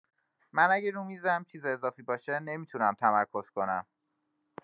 من اگه رو میزم چیز اضافی باشه نمی‌تونم تمرکز کنم